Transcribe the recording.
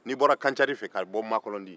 n'i bɔra kancari fɛ ka bɔ makɔlɔndi